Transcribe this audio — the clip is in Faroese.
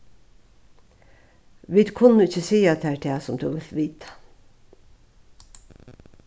vit kunnu ikki siga tær tað sum tú vilt vita